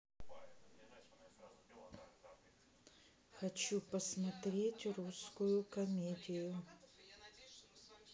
хочу посмотреть русскую комедию